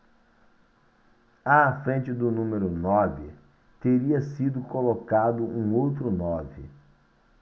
à frente do número nove teria sido colocado um outro nove